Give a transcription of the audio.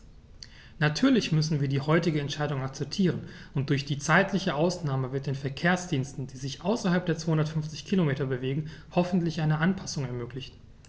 Natürlich müssen wir die heutige Entscheidung akzeptieren, und durch die zeitliche Ausnahme wird den Verkehrsdiensten, die sich außerhalb der 250 Kilometer bewegen, hoffentlich eine Anpassung ermöglicht.